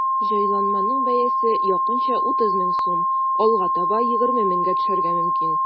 Җайланманың бәясе якынча 30 мең сум, алга таба 20 меңгә төшәргә мөмкин.